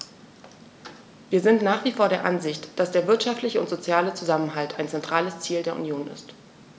Wir sind nach wie vor der Ansicht, dass der wirtschaftliche und soziale Zusammenhalt ein zentrales Ziel der Union ist.